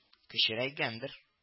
Кечерәйгәндер